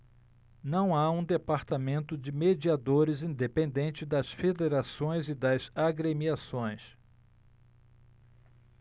não há um departamento de mediadores independente das federações e das agremiações